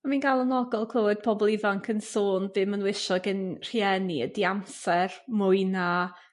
Mi'n galonogol clywed pobol ifanc yn sôn be' ma' nw isio gin rhieni ydi amser mwy na